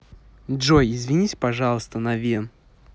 джой извинись пожалуйста на вен